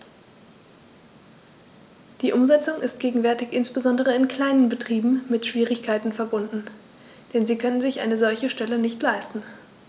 Die Umsetzung ist gegenwärtig insbesondere in kleinen Betrieben mit Schwierigkeiten verbunden, denn sie können sich eine solche Stelle nicht leisten.